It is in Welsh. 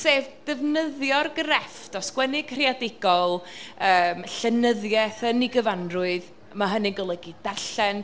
sef defnyddio'r grefft o sgwennu creadigol, yym llenyddiaeth yn ei gyfanrwydd, ma' hynny'n golygu darllen,